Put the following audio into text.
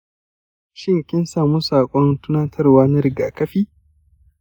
shin kin samu sakon tunatarwa na rigakafi?